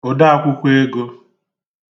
òdaakwụkwọ ego